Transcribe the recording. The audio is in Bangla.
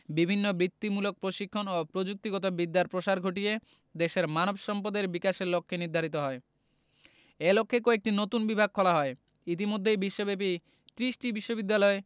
বিভিন্ন বৃত্তিমূলক প্রশিক্ষণ ও প্রযুক্তিগত বিদ্যার প্রসার ঘটিয়ে দেশের মানব সম্পদের বিকাশের লক্ষ্য নির্ধারিত হয় এ লক্ষ্যে কয়েকটি নতুন বিভাগ খোলা হয় ইতোমধ্যে বিশ্বব্যাপী ত্রিশটি বিশ্ববিদ্যালয়